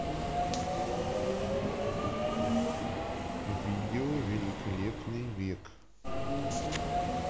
видео великолепный век